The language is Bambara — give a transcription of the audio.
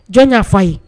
Jɔn y yafaa fa ye